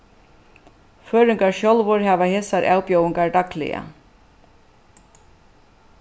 føroyingar sjálvir hava hesar avbjóðingar dagliga